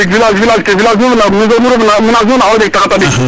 village ke menage nu ref na a wara jeg taxar tadik